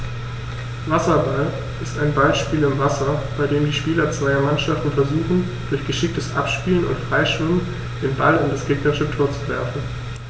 Wasserball ist ein Ballspiel im Wasser, bei dem die Spieler zweier Mannschaften versuchen, durch geschicktes Abspielen und Freischwimmen den Ball in das gegnerische Tor zu werfen.